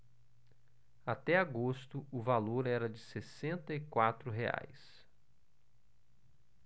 até agosto o valor era de sessenta e quatro reais